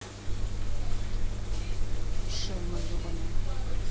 шельма ебаная